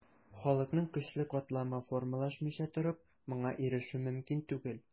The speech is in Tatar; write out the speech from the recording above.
Халыкның көчле катламы формалашмыйча торып, моңа ирешү мөмкин түгел.